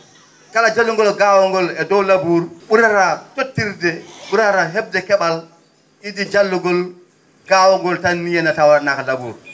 kala jallungol gaawangol e dow laboure ?urata tottirde ?urata he?de ke?al idii jallungol gaawangol tan ni taw wa?anaaka laboure